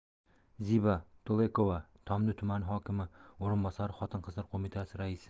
ziba to'lekova tomdi tumani hokimi o'rinbosari xotin qizlar qo'mitasi raisi